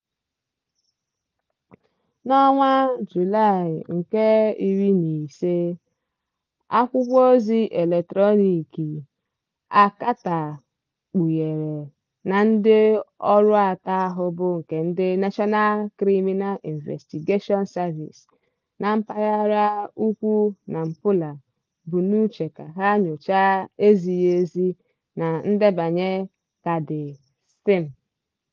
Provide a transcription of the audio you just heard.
Na Julaị 15, akwụkwọozi eletrọnịkị A Carta kpughere na ndịọrụ atọ ahụ bụ nke ndị National Criminal Investigation Service na mpaghara ugwu Nampula bu n'uche ka ha nyochaa ezighị ezi na ndebanye kaadị SIM.